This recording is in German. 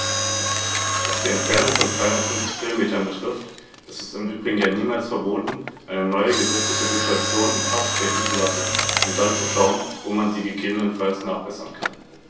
Angesichts der jüngsten Naturkatastrophen möchte ich doch noch auf die Verwendung der Strukturfondsmittel eingehen.